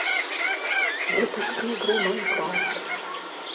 запусти игру майнкрафт